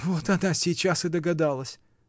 — Вот она сейчас и догадалась!